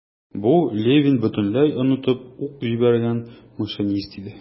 Бу - Левин бөтенләй онытып ук җибәргән машинист иде.